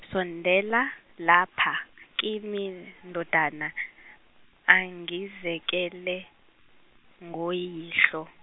sondela lapha kimi ndodana angizekele ngoyihlo.